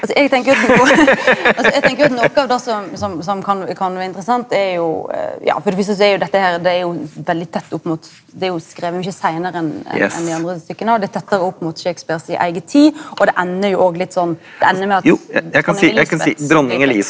altså eg tenker altså eg tenker jo at noko av det som som som kan kan vere interessant er jo ja for det fyrste so er jo dette her det er jo veldig tett opp mot det er jo skrive mykje seinare enn enn dei andre stykka og det er tettare opp mot Shakespeare si eiga tid og det endar jo og litt sånn det endar med at dronning Elizabeth .